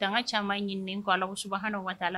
Janga caman ɲini ko alasuba waati la